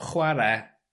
chware